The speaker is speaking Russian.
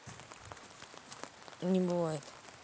не бывает